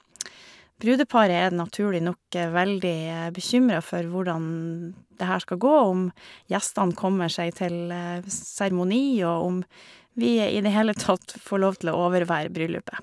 Brudeparet er naturlig nok veldig bekymret for hvordan det her skal gå, og om gjestene kommer seg til seremoni, og om vi i det hele tatt får lov til å overvære bryllupet.